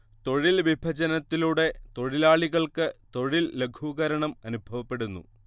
തൊഴിൽ വിഭജനത്തിലൂടെ തൊഴിലാളികൾക്ക് തൊഴിൽ ലഘൂകരണം അനുഭവപ്പെടുന്നു